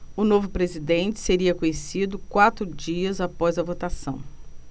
o novo presidente seria conhecido quatro dias após a votação